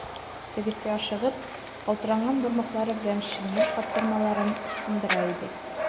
Тегесе ашыгып, калтыранган бармаклары белән шинель каптырмаларын ычкындыра иде.